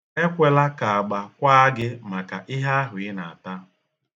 Ekwela ka agba kwaa gị maka ihe ahụ ị na-ata.